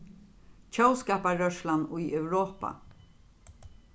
tjóðskaparrørslan í europa